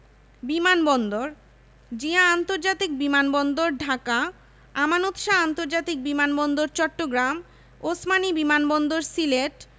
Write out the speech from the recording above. বিমান বন্দরঃ জিয়া আন্তর্জাতিক বিমান বন্দর ঢাকা আমানত শাহ্ আন্তর্জাতিক বিমান বন্দর চট্টগ্রাম ওসমানী বিমান বন্দর সিলেট